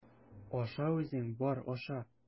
Аша үзең, бар, аша!